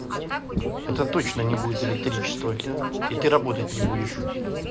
это точно не будет электричества и ты работать не будешь